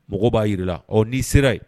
Mɔgɔ b'a jira la ɔ n'i sera yen